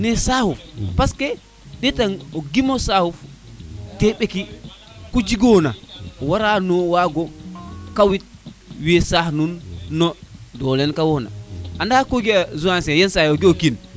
ne saxof parce que ndetan o gim o saxof ke ɓeki ku jigona wara no wago kawit wo saax nuun no dole ne kawon anda ko ga a Zancier yenisaay o ga o kiin